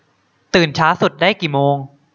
ตื่นช้าสุดได้กี่โมง